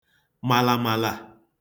màlàmàlà